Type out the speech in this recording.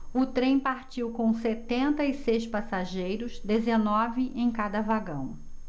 o trem partiu com setenta e seis passageiros dezenove em cada vagão